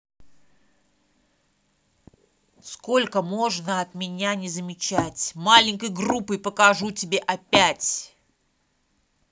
сколько можно от меня не замечать маленькой группой покажу тебе опять